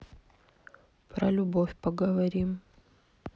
про любовь поговорим